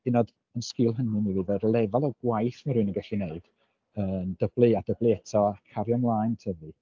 Hyd yn oed yn sgil hynny mi fydd yr lefel o gwaith mae rywun yn gallu gwneud yn dyblu a dyblu eto a cario ymlaen tyfu.